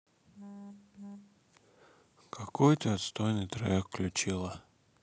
какой ты отстойный трек включила